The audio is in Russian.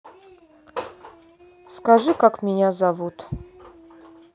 скажи как меня зовут